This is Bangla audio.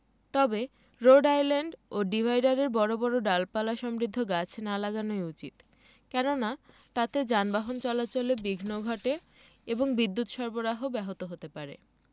তবে রোড আইল্যান্ড ও ডিভাইডারে বড় ডালপালাসমৃদ্ধ গাছ না লাগানোই উচিত কেননা তাতে যানবাহন চলাচলে বিঘ্ন ঘটে এবং বিদ্যুত সরবরাহ ব্যাহত হতে পারে